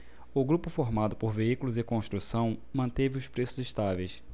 o grupo formado por veículos e construção manteve os preços estáveis